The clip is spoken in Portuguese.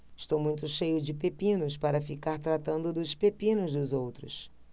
estou muito cheio de pepinos para ficar tratando dos pepinos dos outros